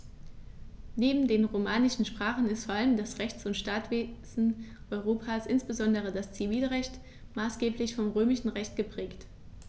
Neben den romanischen Sprachen ist vor allem das Rechts- und Staatswesen Europas, insbesondere das Zivilrecht, maßgeblich vom Römischen Recht geprägt.